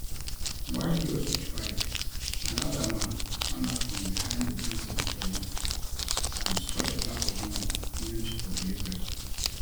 While he was occupied, another man "ran up from behind the Brink's employee" and stole a bag of money meant for delivery.